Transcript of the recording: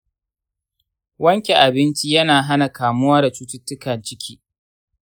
wanke abinci yana hana kamuwa da cututtukan ciki.